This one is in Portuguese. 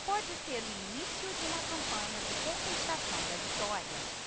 pode ser o início de uma campanha de contestação da vitória